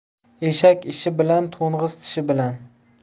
eshak ishi bilan to'ng'iz tishi bilan